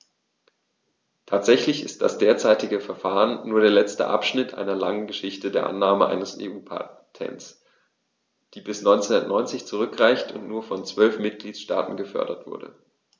Tatsächlich ist das derzeitige Verfahren nur der letzte Abschnitt einer langen Geschichte der Annahme eines EU-Patents, die bis 1990 zurückreicht und nur von zwölf Mitgliedstaaten gefordert wurde.